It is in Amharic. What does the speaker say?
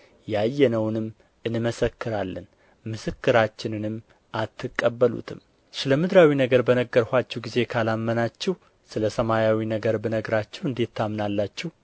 ያየነውንም እንመሰክራለን ምስክራችንንም አትቀበሉትም ስለ ምድራዊ ነገር በነገርኋችሁ ጊዜ ካላመናችሁ ስለ ሰማያዊ ነገር ብነግራችሁ እንዴት ታምናላችሁ